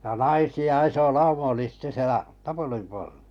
ja naisia iso lauma oli sitten siellä tapulin portailla